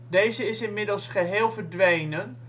Deze is inmiddels geheel verdwenen